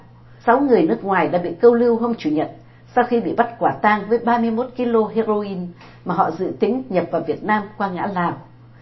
sáu người nước ngoài đã bị câu lưu hôm chủ nhật sau khi bị bắt quả tang với ba mươi mốt ki lô hê rô in mà họ dự tính nhập vào việt nam qua ngã lào